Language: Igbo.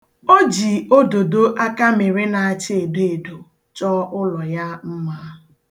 O ji ododo akamere na-acha edoedo chọọ ụlọ ya mma.